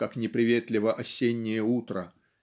как неприветливо осеннее утро